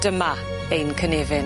Dyma ein cynefin.